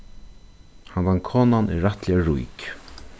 handan konan er rættiliga rík